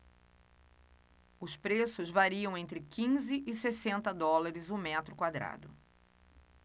os preços variam entre quinze e sessenta dólares o metro quadrado